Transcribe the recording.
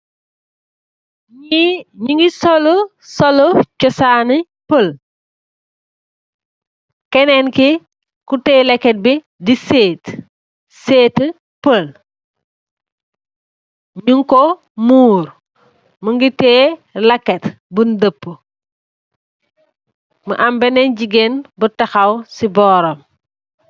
Sol chosan pol ak set pol nyun koi mor mungi tiye leket ak jigen bu tahaw boram.